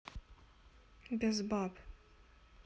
без баб